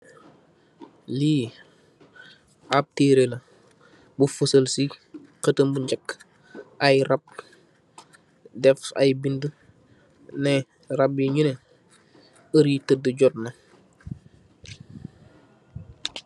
Lii, ab taireh lah, bu faesael si, khaedaem bu njak, aye rab, def si aye bindh, neh, rabbi nyuneh, aeuri taeudh jotna.